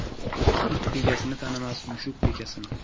it egasini tanimas mushuk bekasini